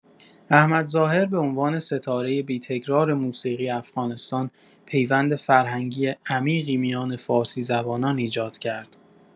احمد ظاهر به عنوان ستاره بی‌تکرار موسیقی افغانستان، پیوند فرهنگی عمیقی میان فارسی‌زبانان ایجاد کرد.